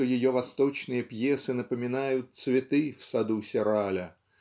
что ее восточные пьесы напоминают цветы в саду сераля